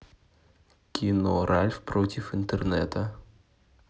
кино ральф против интернета